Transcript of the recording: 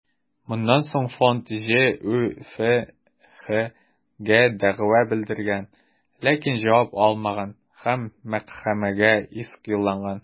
Моннан соң фонд ҖҮФХгә дәгъва белдергән, ләкин җавап алмаган һәм мәхкәмәгә иск юллаган.